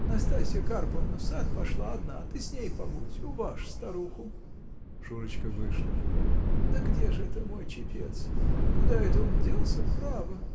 Настасья Карповна в сад пошла одна: ты с ней побудь. Уважь старуху. -- Шурочка вышла. -- Да где ж это мой чепец? Куда это он делся, право?